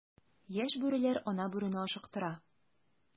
Яшь бүреләр ана бүрене ашыктыра.